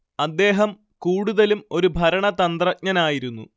അദ്ദേഹം കൂടുതലും ഒരു ഭരണതന്ത്രജ്ഞനായിരുന്നു